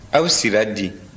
aw sira di